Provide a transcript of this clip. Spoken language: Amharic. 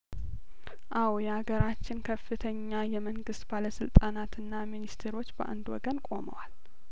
አዎ የሀገራችን ከፍተኛ የመንግስት ባለስልጣናትና ሚኒስቴሮች በአንድ ወገን ቆመዋል